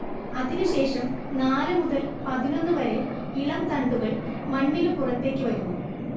അതിനു ശേഷം നാലു മുതൽ പതിനൊന്നു വരെ ഇളം തണ്ടുകൾ മണ്ണിനു പുറത്തേക്കു വരുന്നു